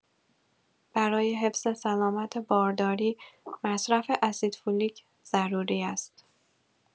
برای حفظ سلامت بارداری، مصرف اسیدفولیک ضروری است.